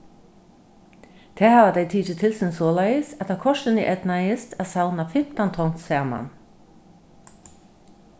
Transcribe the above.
tað hava tey tikið til sín soleiðis at tað kortini eydnaðist at savna fimtan tons saman